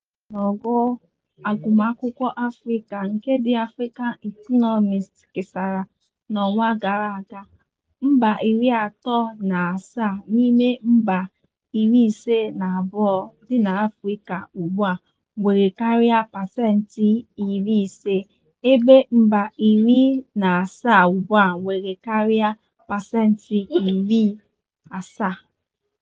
N'ile anya n'ogo agụmakwụkwọ Africa nke The African Economist kesara n'ọnwa gara aga, mba 37 n'ime mba 52 dị n'Afrịka ugbua nwere karịa pasenti 50, ebe mba 17 ugbua nwere karịa pasenti 70.